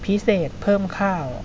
พิเศษเพิ่มข้าว